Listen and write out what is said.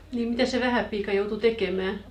niin mitä se vähäpiika joutui tekemään